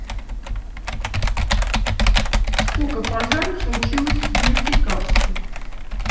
сколько пожаров случилось в нефтекамске